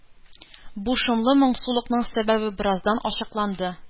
Бу шомлы моңсулыкның сәбәбе бераздан ачыкланды: